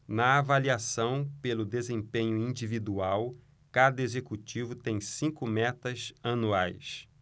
na avaliação pelo desempenho individual cada executivo tem cinco metas anuais